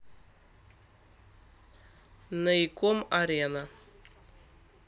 наиком арена